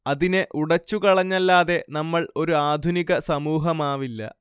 അതിനെ ഉടച്ചു കളഞ്ഞല്ലാതെ നമ്മൾ ഒരു ആധുനിക സമൂഹമാവില്ല